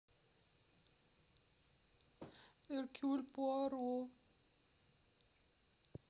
эркюль пуаро